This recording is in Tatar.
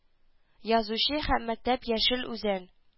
Язучы һәм мәктәп яшел үзән